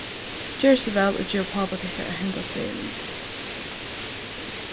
gerið so væl og gevið pápa tykkara henda seðilin